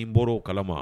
N bɔra o kalama